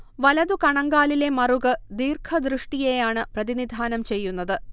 വലതു കണങ്കാലിലെ മറുക് ദീര്ഘദൃഷ്ടിയെ ആണ് പ്രതിനിധാനം ചെയ്യുന്നത്